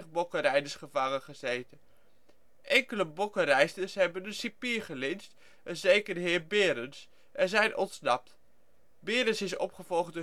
bokkenrijders gevangen gezeten. Enkele bokkenrijders hebben een cipier gelyncht - een zekere heer Beerens - en zijn ontsnapt. Beerens is opgevolgd